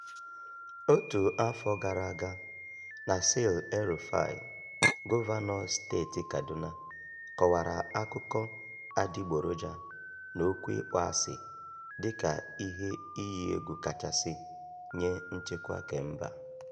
Otu afọ gara aga, Nasir El-Rufai, gọvanọ steeti Kadụna, kọwara akụkọ adịgboroja na okwu ịkpọasị dịka "ihe iyi egwu kachasị" nye nchekwa kemba.